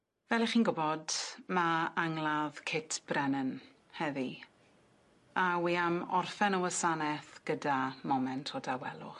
Fel 'ych chi'n gwbod ma' angladd Kit Brennan heddi a wi am orffen y wasaneth gyda moment o dawelwch.